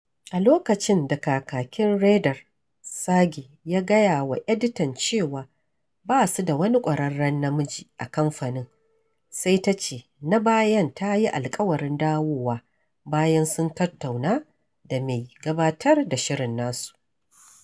A lokacin da kakakin Reyder, Sergey, ya gaya wa editan cewa ba su da wani ƙwararren namiji a kamfanin, sai ta ce, na bayan ta yi alƙawarin dawowa bayan sun tattauna da mai gabatar da shirin nasu.